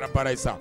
A baara ye sa